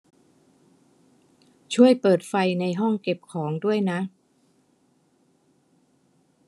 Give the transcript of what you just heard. ช่วยเปิดไฟในห้องเก็บของด้วยนะ